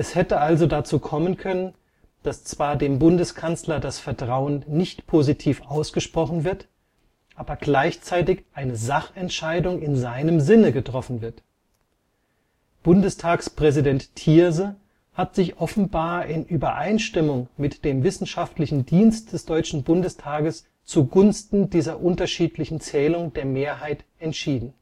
hätte also dazu kommen können, dass zwar dem Bundeskanzler das Vertrauen nicht positiv ausgesprochen wird, aber gleichzeitig eine Sachentscheidung in seinem Sinne getroffen wird. Bundestagspräsident Thierse hat sich offenbar in Übereinstimmung mit dem wissenschaftlichen Dienst des Deutschen Bundestages zugunsten dieser unterschiedlichen Zählung der Mehrheit entschieden